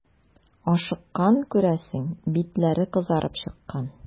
Ашыккан, күрәсең, битләре кызарып чыккан.